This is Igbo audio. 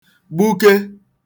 gbuke